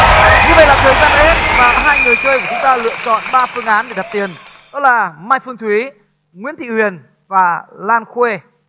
như vậy là thời gian đã hết và hai người chơi của chúng lựa chọn ba phương án để đặt tiền đó là mai phương thúy nguyễn thị huyền và lan khuê